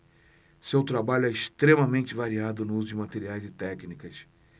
seu trabalho é extremamente variado no uso de materiais e técnicas